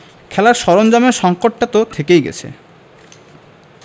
খেলার সরঞ্জামের সংকটটা থেকেই গেছে